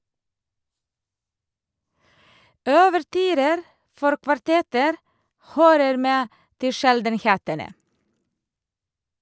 Ouverturer for kvartetter hører med til sjeldenhetene.